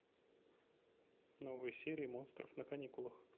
новые серии монстров на каникулах